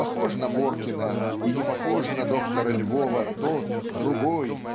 не похож на Боркина и не похож на доктора Львова тот другой